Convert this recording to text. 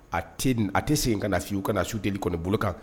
A a tɛ segin ka na si u ka na su deli kɔnɔ bolo kan